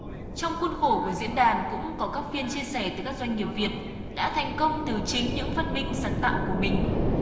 trong khuôn khổ của diễn đàn cũng có các phiên chia sẻ từ các doanh nghiệp việt đã thành công từ chính những phát minh sáng tạo của mình